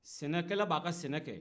sɛnɛkɛla ba ka sɛnɛkɛ